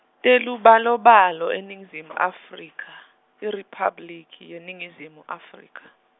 Telubalobalo eNingizimu Afrika IRiphabliki yeNingizimu Afrika.